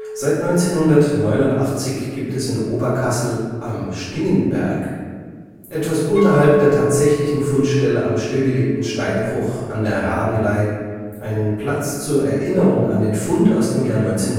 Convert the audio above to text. Seit 1989 gibt es in Oberkassel „ Am Stingenberg “, etwas unterhalb der tatsächlichen Fundstelle am stillgelegten Steinbruch an der Rabenlay, einen Platz zur Erinnerung an den Fund aus dem Jahr 1914